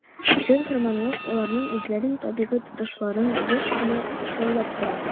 "җан-фәрманлык" аларның үзләрен табигый тотышларын еш кына тышаулап тора.